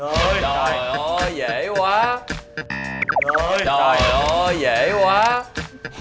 trời ơi dễ quá trời ơi dễ quá